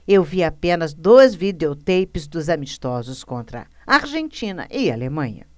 eu vi apenas dois videoteipes dos amistosos contra argentina e alemanha